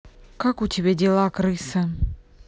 как у тебя дела крыса